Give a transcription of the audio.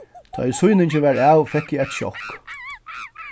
tá ið sýningin var av fekk eg eitt sjokk